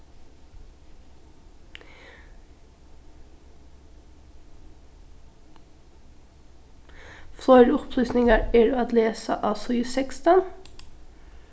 fleiri upplýsingar eru at lesa á síðu sekstan